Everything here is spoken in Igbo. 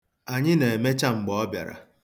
Anyị na-emecha mgbe ọ bịara.